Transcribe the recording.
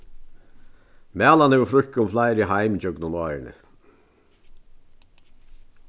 malan hevur fríðkað um fleiri heim gjøgnum árini